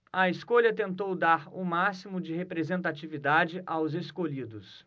a escolha tentou dar o máximo de representatividade aos escolhidos